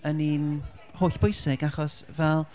yn un hollbwysig, achos fel...